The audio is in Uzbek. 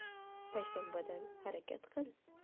payshanbadan harakat qil